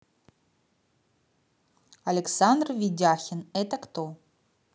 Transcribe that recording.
александр ведяхин это кто